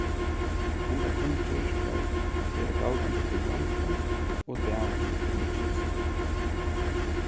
henda kunngerð skal vera galdandi fyri lamba og dalin í mykinesi